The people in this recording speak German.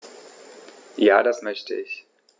Ja, das möchte ich.